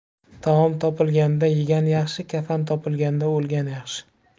taom topilganda yegan yaxshi kafan topilganda o'lgan yaxshi